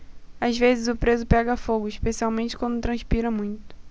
às vezes o preso pega fogo especialmente quando transpira muito